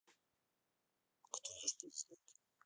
кто наш президент